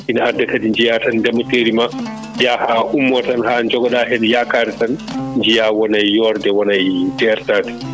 ina adda kadi jiiya kadi ndeemanteri ma jaa haa ummo tan haa jogoɗa hen yakare tan jiiha wona e yorde wona e peerde